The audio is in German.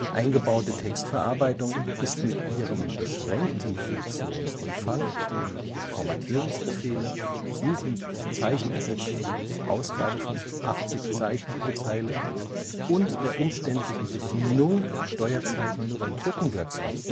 eingebaute Textverarbeitung ist mit ihrem beschränkten Funktionsumfang (Formatierungsbefehle, Suchen, Zeichenersetzung, Ausgabe von 80 Zeichen pro Zeile unterstützt) und der umständlichen Bedienung (Steuerzeichen nur beim Drucken wirksam